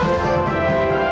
rời